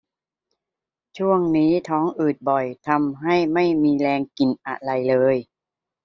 ช่วงนี้ท้องอืดบ่อยทำให้ไม่มีแรงกินอะไรเลย